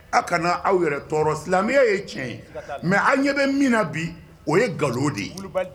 Aw kana aw yɛrɛ tɔɔrɔ . Silamɛya ye tiɲɛ ye. Mais aw ɲɛ bɛ min na bi o ye galon de ye